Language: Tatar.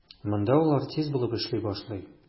Монда ул артист булып эшли башлый.